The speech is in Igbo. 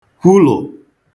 kwulụ̀